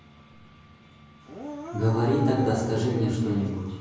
говори тогда скажи мне что нибудь